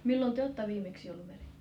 milloin te olette viimeksi ollut -